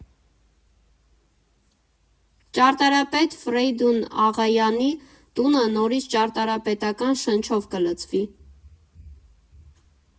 Ճարտարապետ Ֆրեյդուն Աղայանի տունը նորից ճարտարապետական շնչով կլցվի։